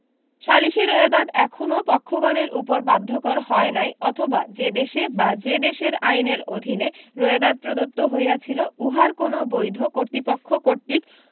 সালিসী রোয়েদাদ এখনও পক্ষগণের উপর বাধ্যকর হয় নাই অথবা যে দেশে বা যে দেশের আইনের অধীনে রোয়েদাদ প্রদত্ত হইয়াছিল উহার কোন বৈধ কর্তৃপক্ষ কর্তৃক